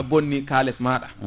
a bonni kalis maɗa